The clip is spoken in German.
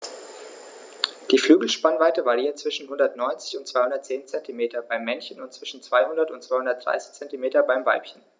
Die Flügelspannweite variiert zwischen 190 und 210 cm beim Männchen und zwischen 200 und 230 cm beim Weibchen.